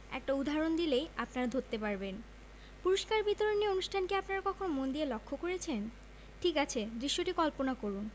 একটা উদাহরণ দিসেই আপনারা ধরতে পারবেন পুরস্কার বিতরণী অনুষ্ঠান কি আপনারা কখনো মন দিয়ে লক্ষ্য করেছেন ঠিক আছে দৃশ্যটি কল্পনা করুন